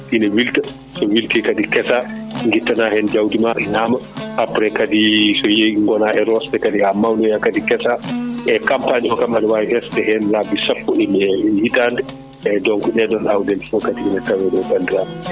ine wilta so wilti kadi kessa guitta hen jawdi ma ñama après kadi so yeehi gona e rosde kadi haa mawnoya kadi kessa eyyi campagne o kam aɗa waalwi hessde hen laabi sappo e hitande eyyi donc ɗeɗon awɗele foo kadi ina taweɗo bandiraɓe